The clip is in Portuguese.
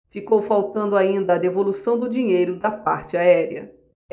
ficou faltando ainda a devolução do dinheiro da parte aérea